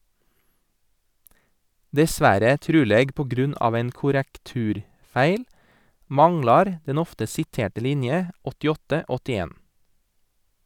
Dessverre, truleg pga. ein korrekturfeil, manglar den ofte siterte linje 8881.